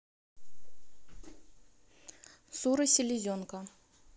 сура селезенка